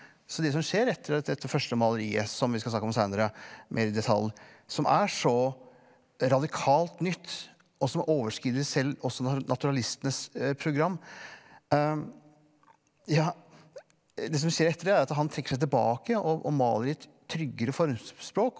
så det som skjer etter dette første maleriet som vi skal snakke om seinere mer i detalj som er så radikalt nytt og som overskrider selv også naturalistenes program ja det som skjer etter det er at han trekker seg tilbake og og maler i et tryggere formspråk.